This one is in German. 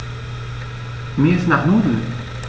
Mir ist nach Nudeln.